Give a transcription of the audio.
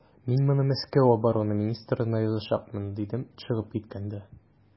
Мин моны Мәскәүгә оборона министрына язачакмын, дидем чыгып киткәндә.